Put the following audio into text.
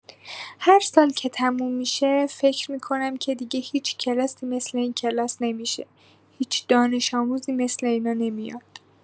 هر سال که تموم می‌شه، فکر می‌کنم که دیگه هیچ کلاسی مثل این کلاس نمی‌شه، هیچ دانش‌آموزی مثل اینا نمیاد!